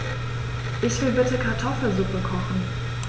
Ich will bitte Kartoffelsuppe kochen.